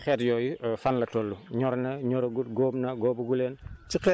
te xeet yooyu fan la tollñor na ñoragut góob na góobaguleen